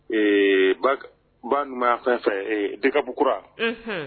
Ee bac ba numaɲanfan fɛ ee DCAP kura unhun